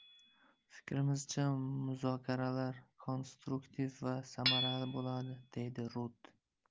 fikrimizcha muzokaralar konstruktiv va samarali bo'lardi deydi rud